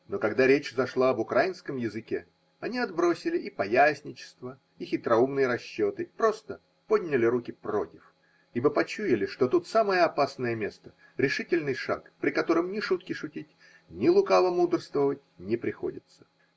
но когда речь зашла об украинском языке, они отбросили и паясничество, и хитроумные расчеты и просто подняли руки против, ибо почуяли, что тут самое опасное место, решительный шаг, при котором ни шутки шутить, ни лукаво мудрствовать не приходится.